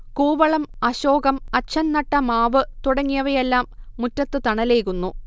കൂവളം, അശോകം, അച്ഛൻ നട്ട മാവ് തുടങ്ങിയവയെല്ലാം മുറ്റത്ത് തണലേകുന്നു